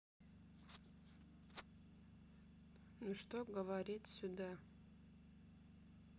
ну что говорить сюда